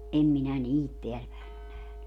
en minä niitä täällä päin ole nähnyt